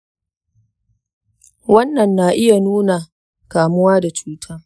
wannan na iya nuna kamuwa da cuta.